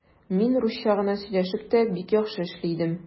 Мин русча гына сөйләшеп тә бик яхшы эшли идем.